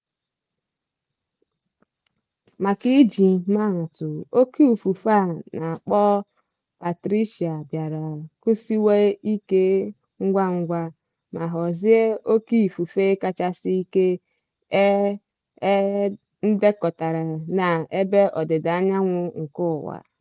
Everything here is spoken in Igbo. Maka ịji maa atụ, Óké Ifufe a na-akpọ Patricia bịara kusiwa ike ngwa ngwa ma ghọzie óké ifufe kachasị ike e ndekọtara n'Ebe Ọdịda Anyanwụ nke Uwa.